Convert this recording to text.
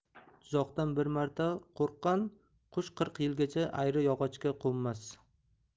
tuzoqdan bir marta qo'rqqan qush qirq yilgacha ayri yog'ochga qo'nmas